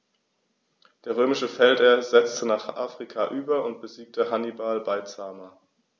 Der römische Feldherr setzte nach Afrika über und besiegte Hannibal bei Zama.